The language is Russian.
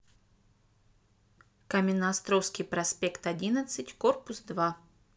каменноостровский проспект одиннадцать корпус два